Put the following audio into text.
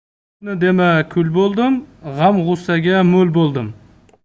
ko'pni demay kul bo'ldim g'am g'ussaga mo'l bo'ldim